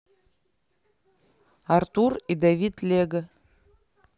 артур и давид лего